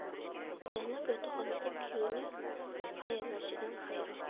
zaynab yotoqxonada kuyovning hayallashidan hayron